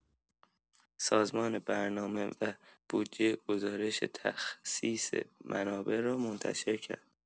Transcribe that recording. سازمان برنامه و بودجه گزارش تخصیص منابع را منتشر کرد.